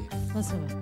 ' sɔrɔ